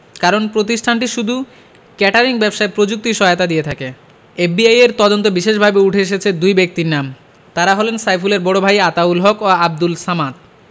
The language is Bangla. কারণ প্রতিষ্ঠানটি শুধু কেটারিং ব্যবসায় প্রযুক্তি সহায়তা দিয়ে থাকে এফবিআইয়ের তদন্ত বিশেষভাবে উঠে এসেছে দুই ব্যক্তির নাম তাঁরা হলেন সাইফুলের বড় ভাই আতাউল হক ও আবদুল সামাদ